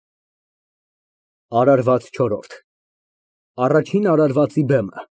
ԱՐԱՐՎԱԾ ՉՈՐՐՈՐԴ Առաջին արարվածի բեմը։